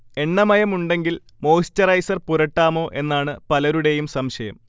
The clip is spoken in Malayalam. എണ്ണമയമുണ്ടെങ്കിൽ മോയിസ്ചറൈസർ പുരട്ടാമോ എന്നാണു പലരുടെയും സംശയം